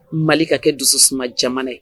Mali ka kɛ dusu suma jamana ye